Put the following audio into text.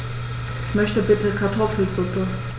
Ich möchte bitte Kartoffelsuppe.